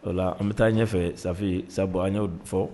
O an bɛ taa ɲɛfɛ Safi sabu la an y'o fɔ.